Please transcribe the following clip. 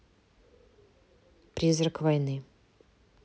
призрак войны